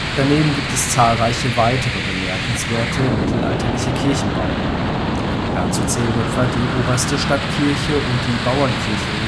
Daneben gibt es zahlreiche weitere bemerkenswerte mittelalterliche Kirchenbauten. Dazu zählen etwa die Oberste Stadtkirche und die Bauernkirche